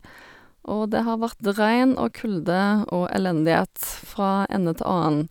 Og det har vært regn og kulde og elendighet fra ende til annen.